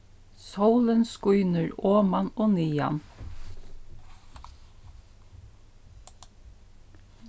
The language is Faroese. sólin skínur oman og niðan